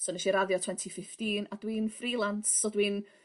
So nesh i raddio twenty fifteen a dwi'n freelance so dwi'n...